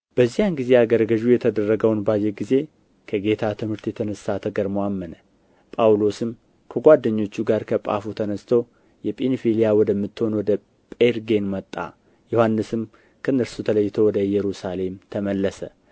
በዚያን ጊዜ አገረ ገዡ የተደረገውን ባየ ጊዜ ከጌታ ትምህርት የተነሣ ተገርሞ አመነ ጳውሎስም ከጓደኞቹ ጋር ከጳፉ ተነሥቶ የጵንፍልያ ወደምትሆን ወደ ጴርጌን መጣ ዮሐንስም ከእነርሱ ተለይቶ ወደ ኢየሩሳሌም ተመለሰ